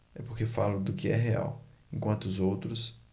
é porque falo do que é real enquanto os outros